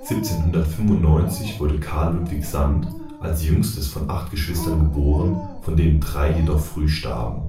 1795 wurde Carl Ludwig Sand als jüngstes von acht Geschwistern geboren, von denen drei jedoch früh starben.